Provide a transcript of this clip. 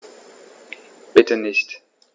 Bitte nicht.